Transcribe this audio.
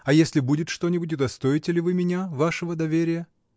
А если будет что-нибудь, удостоите ли вы меня вашего доверия?